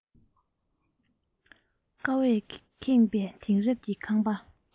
ཀ བས ཁེངས པས དེང རབས ཀྱི ཁང པ